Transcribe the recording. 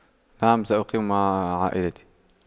نعم سأقيم مع عائلتي